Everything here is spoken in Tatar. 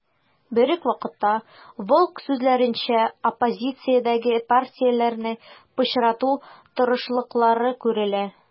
Берүк вакытта, Волк сүзләренчә, оппозициядәге партияләрне пычрату тырышлыклары күрелә.